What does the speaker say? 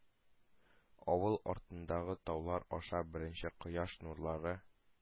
Авыл артындагы таулар аша беренче кояш нурлары